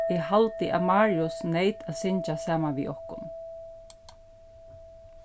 eg haldi at marius neyt at syngja saman við okkum